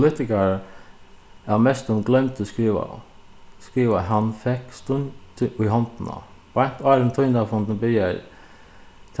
politikarar av mest gloymdi skrivaðu skrivaði hann fekk stungið í hondina beint áðrenn tíðindafundurin byrjaði